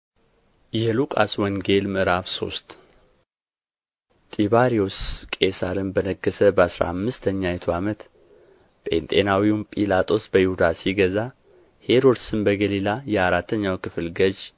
የሉቃስ ወንጌል ምዕራፍ ሶስት ጢባርዮስ ቄሣርም በነገሠ በአሥራ አምስተኛይቱ ዓመት ጴንጤናዊው ጲላጦስም በይሁዳ ሲገዛ ሄሮድስም በገሊላ የአራተኛው ክፍል ገዥ